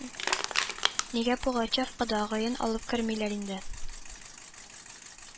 Нигә Пугачев кодагыен алып кермиләр инде